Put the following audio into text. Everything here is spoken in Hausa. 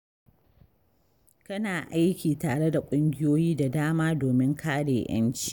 Kana aiki tare da ƙungiyoyi da dama domin kare 'yanci.